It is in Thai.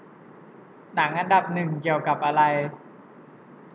หนังอันดับหนึ่งเกี่ยวกับอะไร